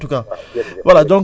d' accord merci beaucoup en tout cas